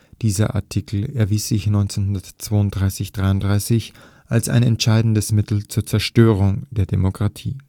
Dieser Artikel erwies sich 1932 / 33 als ein entscheidendes Mittel zur Zerstörung der Demokratie